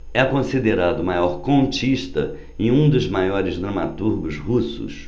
é considerado o maior contista e um dos maiores dramaturgos russos